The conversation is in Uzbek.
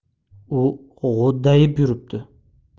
u g'o'ddayib yuribdi